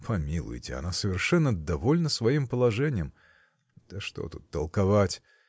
Помилуйте, она совершенно довольна своим положением. Да что тут толковать!